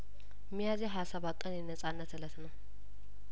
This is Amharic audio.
ሚያዝያሀያሰባት ቀን የነጻነት እለት ነው